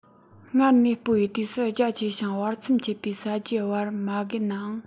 སྔར གནས སྤོ བའི དུས སུ རྒྱ ཆེ ཞིང བར མཚམས ཆད པའི ས རྒྱུད བར མ བརྒལ ནའང